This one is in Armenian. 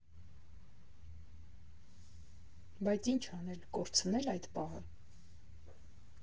Բայց ի՞նչ անել, կորցնե՞լ այդ պահը։